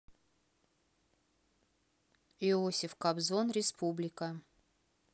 иосиф кобзон республика